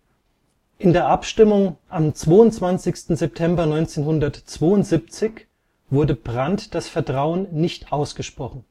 der Abstimmung am 22. September 1972 wurde Brandt das Vertrauen nicht ausgesprochen